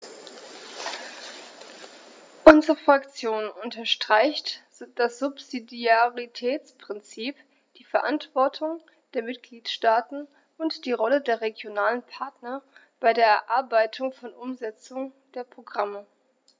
Unsere Fraktion unterstreicht das Subsidiaritätsprinzip, die Verantwortung der Mitgliedstaaten und die Rolle der regionalen Partner bei der Erarbeitung und Umsetzung der Programme.